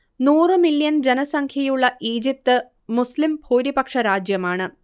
നൂറ് മില്യൺ ജനസംഖ്യയുള്ള ഈജിപ്ത് മുസ്ലിം ഭൂരിപക്ഷ രാജ്യമാണ്